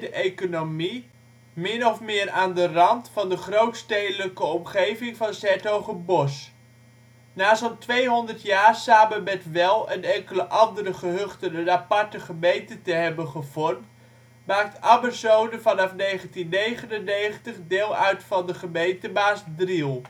economie, min of meer aan de rand van de grootstedelijke omgeving van ' s-Hertogenbosch. Na zo 'n tweehonderd jaar samen met Well en enkele gehuchten een aparte gemeente te hebben gevormd, maakt Ammerzoden vanaf 1999 deel uit van de gemeente Maasdriel